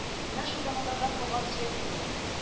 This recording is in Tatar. Менә шул заманнардан калган сөяк инде ул